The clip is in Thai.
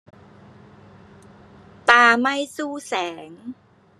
ตาไม่สู้แสง